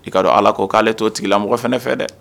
I ka don Ala ko k'ale t'o tigila mɔgɔ fɛ ne fɛ dɛ